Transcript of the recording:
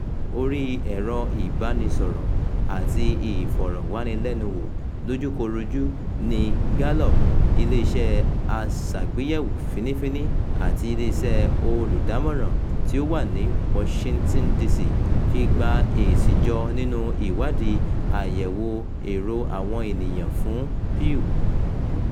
Orí ẹ̀rọ-ìbánisọ̀rọ̀ àti ìfọ̀rọ̀wánilẹ́nuwò ojúkorojú ni Gallup – iléeṣẹ́ aṣàgbéyẹ̀wò fínnífínní àti iléeṣẹ́ olùdámọ̀ràn tí ó wà ní Washington, DC fi gba èsì jọ nínú ìwádìí àyẹ̀wò èrò àwọn ènìyàn-an fún Pew.